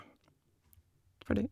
Ferdig.